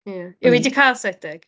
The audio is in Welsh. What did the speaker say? Ie. Yw hi 'di cael saith deg?